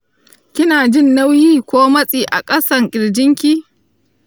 kina jin nauyi ko matsi a ƙasan ƙirjinki?